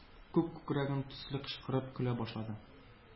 Күк күкрәгән төсле кычкырып көлә башлады.